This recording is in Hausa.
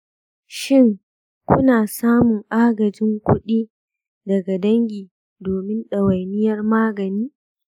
shin ku na samun agajin kuɗi daga dangi domin ɗawainiyar magani?